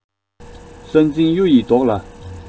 ས འཛིན གཡུ ཡི མདོག ལ